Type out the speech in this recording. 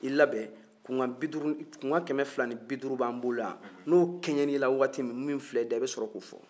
i labɛn kunkan kɛmɛ fila ni bi duuru b'an bolo yan n'olu kɛɲɛn'i la waati min min filɛ i da i bɛ sɔrɔ k'o fɔ